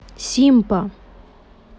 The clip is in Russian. симпа